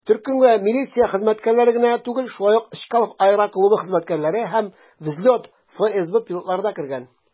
Төркемгә милиция хезмәткәрләре генә түгел, шулай ук Чкалов аэроклубы хезмәткәрләре һәм "Взлет" ФСБ пилотлары да кергән.